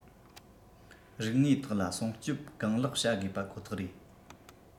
རིག དངོས དག ལ སྲུང སྐྱོབ གང ལེགས བྱ དགོས པ ཁོ ཐག རེད